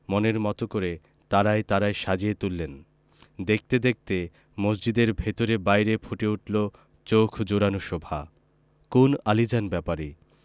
মনের মতো করে তারায় তারায় সাজিয়ে তুললেন মসজিদ দেখতে দেখতে মসজিদের ভেতরে বাইরে ফুটে উঠলো চোখ জুড়োনো শোভা কোন আলীজান ব্যাপারী